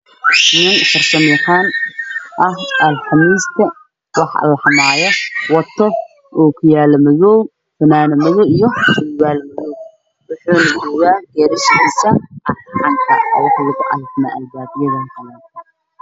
Nin farsamayaqaan ah oo wax al xamayo wato oo ku yaalla madow fanaanad madow ah iyo surwaal madow ah wuxuuna joogaa geerishkiisa